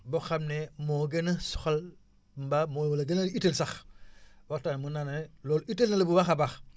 boo xam ne moo gën a soxal mbaa moom a la gën a utile sax waxtaan mën naa ne loolu itteel na la bu baax a baax